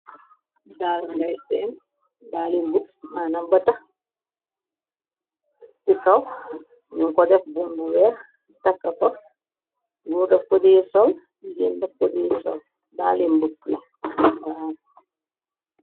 Daal ngay sem dalin boks manam batax ci kaw ñu ko def bumbu weex taka ko nguur daf kodi sol iginndaf kod sol dalin buks la raam.